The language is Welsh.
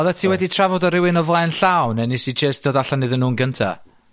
Oddet ti wedi trafod â rywun o flaen llaw ne' nest ti jys dod allan iddyn nw yn gynta?